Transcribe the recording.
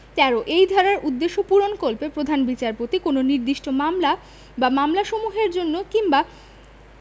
১৩ এই ধারার উদ্দেশ্য পূরণকল্পে প্রধান বিচারপতি কোন নির্দিষ্ট মামলা বা মামলাসমূহের জন্য কিংবা